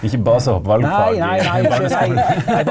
ikke basehopp valgfag i i barneskolen.